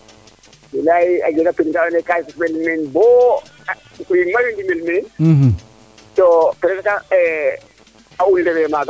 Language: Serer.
bilaay a jega pin ka ando naye ka njik wel meen boo wiin mayu ndimel meel to presque a un ndefe maaga